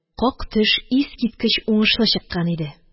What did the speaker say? Как-төш искиткеч уңышлы чыккан иде